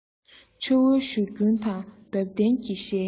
ཆུ བོའི བཞུར རྒྱུན དང འདབ ལྡན གྱི བཞད དབྱངས